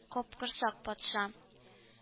Капкорсак патша